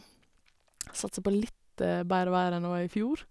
Satser på litt bedre vær enn det var i fjor.